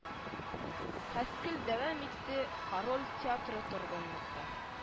Хаскелл дәвам итте - король театры торгынлыкта